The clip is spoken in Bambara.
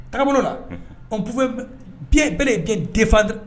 Karamɔgɔ la bi bɛɛ de gɛn denfan